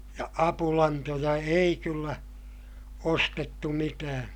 ja apulantoja ei kyllä ostettu mitään